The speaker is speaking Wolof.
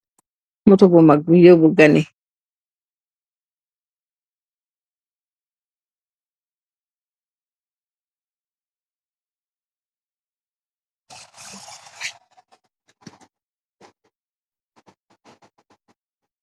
Moto bu mag bi yoobu gan yi.